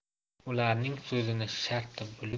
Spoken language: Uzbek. ularning so'zini shartta bo'lib